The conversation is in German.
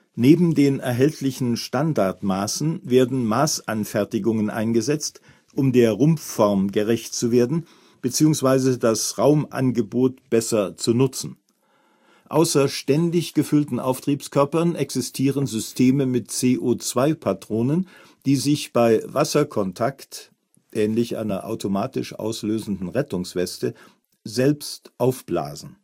Neben den erhältlichen Standardmaßen werden Maßanfertigungen eingesetzt, um der Rumpfform gerecht zu werden beziehungsweise das Raumangebot besser zu nutzen. Außer ständig gefüllten Auftriebskörpern existieren Systeme mit CO2-Patronen, die sich bei Wasserkontakt (ähnlich einer automatisch auslösenden Rettungsweste) selbst aufblasen